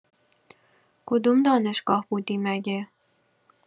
کدوم دانشگاه بودی مگه؟